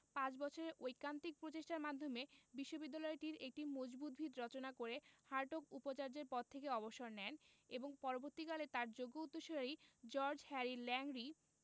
পাঁচ বছরের ঐকান্তিক প্রচেষ্টার মাধ্যমে বিশ্ববিদ্যালয়টির একটি মজবুত ভিত রচনা করে হার্টগ উপাচার্যের পদ থেকে অবসর নেন এবং পরবর্তীকালে তাঁর যোগ্য উত্তরসূরি জর্জ হ্যারি ল্যাংলি